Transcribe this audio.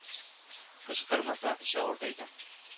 Кычкырмаса, эче авырта икән